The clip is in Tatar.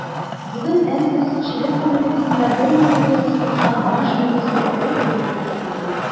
Бүген әлеге сөтчелек комплексында 1490 баш мөгезле эре терлек исәпләнә.